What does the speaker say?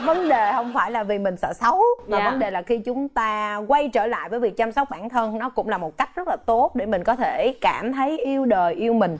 vấn đề không phải là vì mình sợ xấu mà vấn đề là khi chúng ta quay trở lại với việc chăm sóc bản thân nó cũng là một cách rất là tốt để mình có thể cảm thấy yêu đời yêu mình